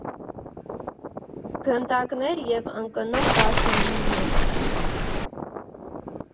Գնդակներ և ընկնող դաշնամուրներ։